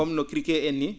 comme no criquet en nii